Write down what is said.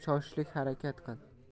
choshlik harakat qil